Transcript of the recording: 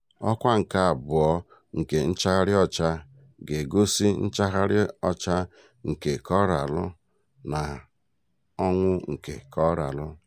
Ọkwá nke Abụọ nke nchagharị ọcha ga-egosi nchagharị ọcha nke Koraalụ na ọnwụ nke Koraalụ.